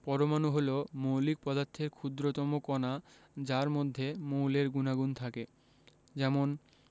পরমাণু হলো মৌলিক পদার্থের ক্ষুদ্রতম কণা যার মধ্যে মৌলের গুণাগুণ থাকে যেমন